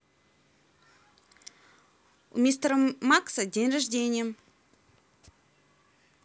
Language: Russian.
у мистера макса день рождения